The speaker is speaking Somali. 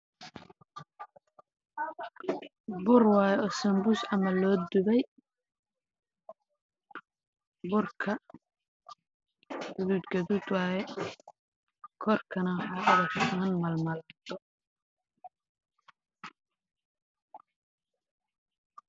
Bur waayo sanbuus camal loo dubay